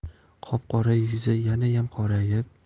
qop qora yuzi yanayam qorayib